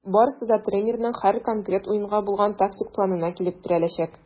Барысы да тренерның һәр конкрет уенга булган тактик планына килеп терәләчәк.